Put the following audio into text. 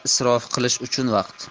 isrof qilish uchun vaqt